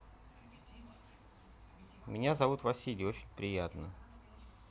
меня зовут василий очень приятно